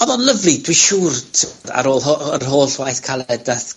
odd o'n lyfli. Dwi siŵr, t- ar ôl ho- yr holl waith caled dath...